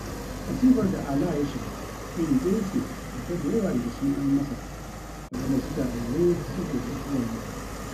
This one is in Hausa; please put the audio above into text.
Masifar da Alaa ya shiga, iri ɗaya ce da ta da yawa daga cikin 'yan Masar waɗanda suke a ɗaure saboda gwagwarmaya.